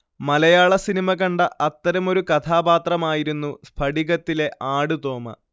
മലയാളസിനിമ കണ്ട അത്തരമൊരു കഥാപാത്രമായിരുന്നു 'സ്ഫടിക'ത്തിലെ ആടുതോമ